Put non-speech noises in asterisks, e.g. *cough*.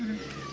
*hesitation* *hesitation*